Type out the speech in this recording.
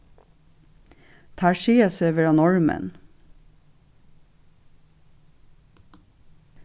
teir siga seg vera norðmenn